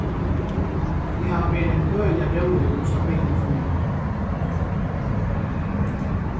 at eg havi verið ein øgiliga róligur og stabilur fýrur